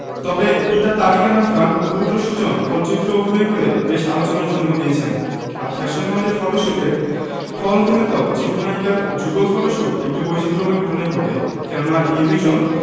তবে পিতা তারিক আনাম খান ও পুত্র সুজন খল চরিত্রে অভিনয় করে বেশ আলোচনার জন্ম দিয়েছেন আর ফ্যাশন হাউজের ফটোশুটে খল অভিনেতা ও চিত্রনায়িকার যুগল ফটোশুট একটু বৈচিত্রময় ঘটনাই বটে কেননা এই দুইজন